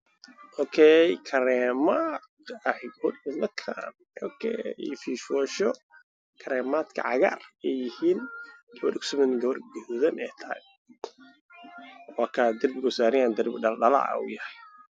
Waa kariim saliid ah midabkooda waa cagaar waxaana ku qoran oo liver oil